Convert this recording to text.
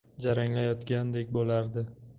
jaranglayotgandek bo'lardi